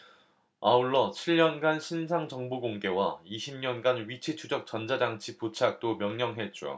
아울러 칠 년간 신상정보 공개와 이십 년간 위치추적 전자장치 부착도 명령했죠